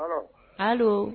Allô